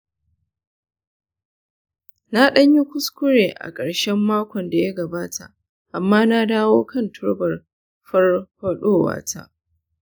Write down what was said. na ɗan yi kuskure a ƙarshen makon da ya gabata amma na dawo kan turbar farfadowata.